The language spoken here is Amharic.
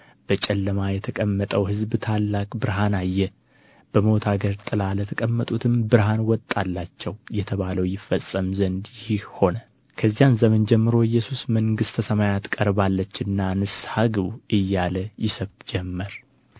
በጨለማ የተቀመጠው ሕዝብ ታላቅ ብርሃን አየ በሞት አገርና ጥላ ለተቀመጡትም ብርሃን ወጣላቸው የተባለው ይፈጸም ዘንድ ይህ ሆነ ከዚያ ዘመን ጀምሮ ኢየሱስ መንግሥተ ሰማያት ቀርባለችና ንስሐ ግቡ እያለ ይሰብክ ጀመር